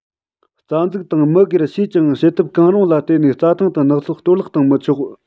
རྩ འཛུགས དང མི སྒེར སུས ཀྱང བྱེད ཐབས གང རུང ལ བརྟེན ནས རྩ ཐང དང ནགས ཚལ གཏོར བརླག བཏང མི ཆོག